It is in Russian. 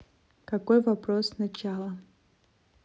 какой вопрос сначала